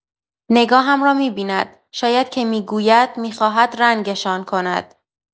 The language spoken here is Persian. نگاهم را می‌بیند شاید که می‌گوید می‌خواهد رنگ‌شان کند.